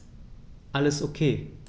Alles OK.